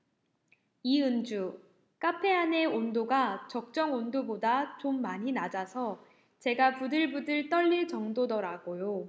이은주 카페 안에 온도가 적정 온도보다 좀 많이 낮아서 제가 부들부들 떨릴 정도더라고요